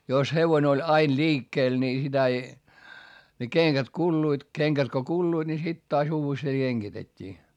jos hevonen oli aina liikkeellä niin sitä ei ne kengät kuluivat kengät kun kuluivat niin sitten taas uudestaan kengitettiin